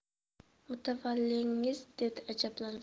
mutavallingiz dedi ajablanib